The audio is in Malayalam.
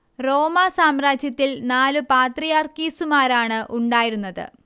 റോമാ സാമ്രാജ്യത്തിൽ നാലു പാത്രിയാർക്കീസുമാരാണ് ഉണ്ടായിരുന്നത്